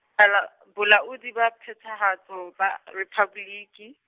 Bala-, Bolaodi ba Phethahatso ba Rephaboliki.